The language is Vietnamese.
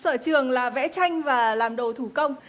sở trường là vẽ tranh và làm đồ thủ công